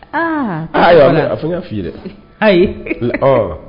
Aa a fo n ka'i dɛ ayi